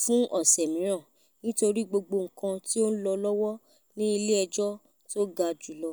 fún ọ̀ṣẹ̀ míràn nítorí gbogbo nǹkan tí ó ń lọ lọ́wọ́ ní ilé ẹjọ́ tó ga jùlọ.